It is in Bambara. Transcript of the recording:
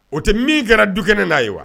O tɛ min kɛra du kelen'a ye wa